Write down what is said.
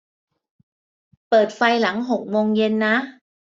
เปิดไฟหลังหกโมงเย็นนะ